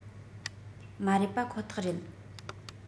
མ རེད པ ཁོ ཐག རེད